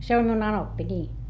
se on minun anoppi niin